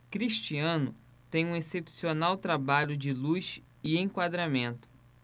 cristiano tem um excepcional trabalho de luz e enquadramento